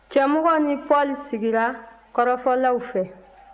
cɛmɔgɔ ni paul sigira kɔrɔfɔlaw fɛ